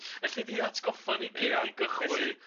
... elli di atgoffa ni cyn i gychwyn felly.